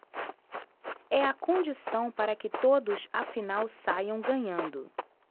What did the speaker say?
é a condição para que todos afinal saiam ganhando